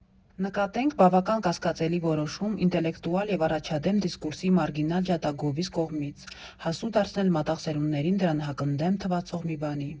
Նկատենք՝ բավական կասկածելի որոշում ինտելեկտուալ և առաջադեմ դիսկուրսի մարգինալ ջատագովիս կողմից՝ հասու դարձնել մատաղ սերունդներին դրան հակընդդեմ թվացող մի բանի։